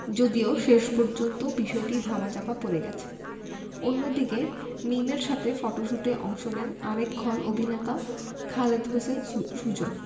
যদিও শেষ পর্যন্ত বিষয়টি ধামাচাপা পড়ে গেছে অন্যদিকে মিমের সাথে ফটশুটে অংশ নেন আরেক খল অভিনেতা খালেদ হোসেন সুজন